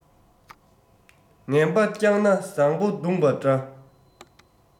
ངན པ བསྐྱངས ན བཟང པོ བརྡུངས པ འདྲ